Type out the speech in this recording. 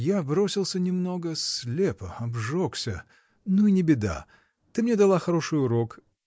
Я бросился немного слепо, обжегся — ну и не беда! Ты мне дала хороший урок.